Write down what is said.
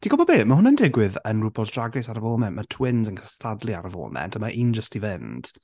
Ti'n gwybod be? Mae hwn yn diwgydd yn RuPaul's Drag Race ar y foment. Mae twins yn cystadlu ar y foment a mae un jyst 'di fynd.